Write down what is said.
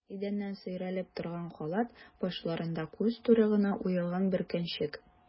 Идәннән сөйрәлеп торган халат, башларында күз туры гына уелган бөркәнчек.